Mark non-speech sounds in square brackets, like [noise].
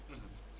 [hesitation] [hesitation]